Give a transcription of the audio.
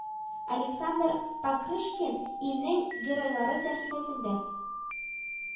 Александр Покрышкин Илнең геройлары сәхифәсендә